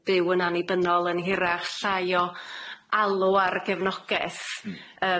byw yn annibynnol yn hirach, llai o alw ar gefnogeth. Yym.